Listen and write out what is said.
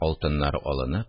Алтыннары алынып